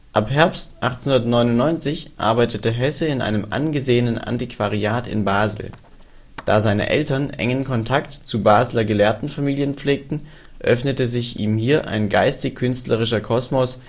Ab Herbst 1899 arbeitete Hesse in einem angesehenen Antiquariat in Basel. Da seine Eltern engen Kontakt zu Basler Gelehrtenfamilien pflegten, öffnete sich ihm hier ein geistig-künstlerischer Kosmos